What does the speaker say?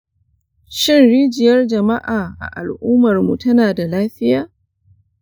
shin rijiyar jama’a a al’ummarmu tana da lafiya?